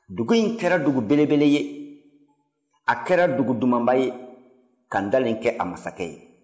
dugu in kɛra dugu belebele ye a kɛra dugu dumanba ye ka ntalen kɛ a masakɛ ye